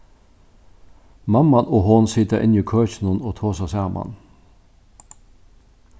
mamman og hon sita inni í køkinum og tosa saman